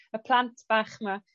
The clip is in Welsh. y plant bach 'ma